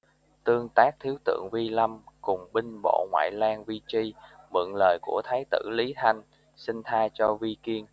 tương tác thiếu tượng vi lâm cùng binh bộ ngoại lang vi chi mượn lời của thái tử lý hanh xin tha cho vi kiên